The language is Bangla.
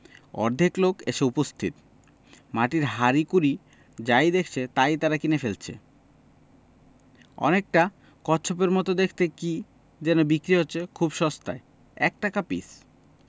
অর্ধেক লোক এসে উপস্থিত মাটির হাঁড়িকুরি মাই দেখছে তাই তার কিনে ফেলছে অনেকটা কচ্ছপের মত দেখতে কি যেন বিক্রি হচ্ছে খুব সস্তায় এক টাকা পিস